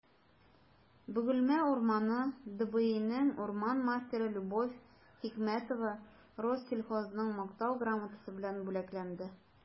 «бөгелмә урманы» дбинең урман мастеры любовь хикмәтова рослесхозның мактау грамотасы белән бүләкләнде